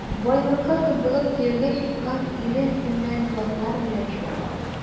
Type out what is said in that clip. Байлыкка кызыгып кияүгә чыккан, ире өстеннән ятлар белән чуала.